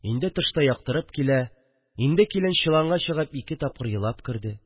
Инде тышта яктырып килә, инде килен чоланга чыгып ике тапкыр елап керде